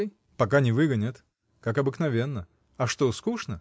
— Пока не выгонят — как обыкновенно. А что, скучно?